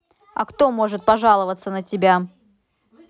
а кто может пожаловаться на тебя